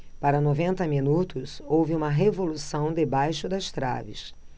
para noventa minutos houve uma revolução debaixo das traves